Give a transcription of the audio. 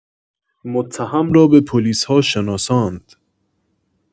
متهم را به پلیس‌ها شناساند